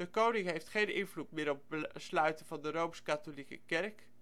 koning heeft geen invloed meer op besluiten van de Rooms-Katholieke Kerk